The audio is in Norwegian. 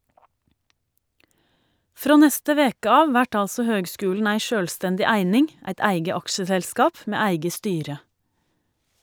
Frå neste veke av vert altså høgskulen ei sjølvstendig eining , eit eige aksjeselskap med eige styre.